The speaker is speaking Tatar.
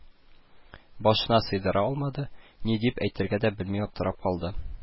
Башына сыйдыра алмады, ни дип әйтергә дә белми аптырап калды